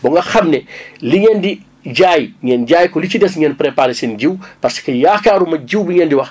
ba nga xam ne li ngeen di jaay ngeen jaay ko li ci des ngeen préparé seen jiw parce que yaakaaruma jiw bi ngeen di wax